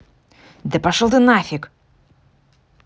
да пошел ты нафиг